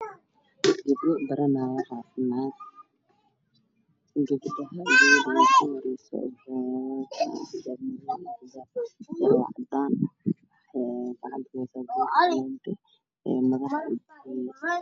Gabdho badan ayaa soo socda gabadha ugu horeyso waxay wadataa xijaab caddaana iyo shuka madow ah